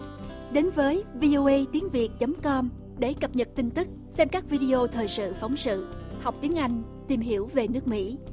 đến với vi âu ây tiếng việt chấm com để cập nhật tin tức xem các vi đê ô thời sự phóng sự học tiếng anh tìm hiểu về nước mỹ